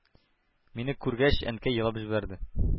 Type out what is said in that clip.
Мине күргәч, Әнкәй елап җибәрде,